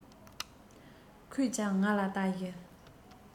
ཁོས ཀྱང ང ལ ལྟ བཞིན